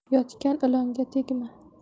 yotgan ilonga tegma